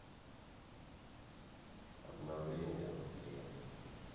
обновления в игре